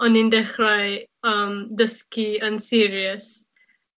o'n i'n dechrau yym dysgu yn serious.